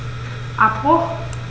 Abbruch.